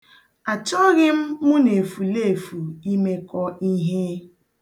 Achọghị m mụ na efuleefu imekọ ihe.